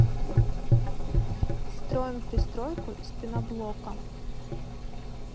строим пристройку из пеноблока